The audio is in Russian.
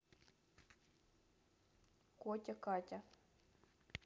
котя катя